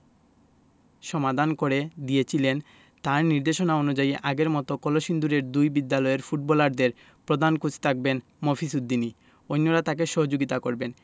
সমাধান করে দিয়েছিলেন তাঁর নির্দেশনা অনুযায়ী আগের মতো কলসিন্দুরের দুই বিদ্যালয়ের ফুটবলারদের প্রধান কোচ থাকবেন মফিজ উদ্দিনই অন্যরা তাঁকে সহযোগিতা করবেন